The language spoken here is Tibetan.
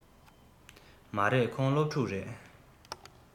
མ རེད ཁོང སློབ ཕྲུག རེད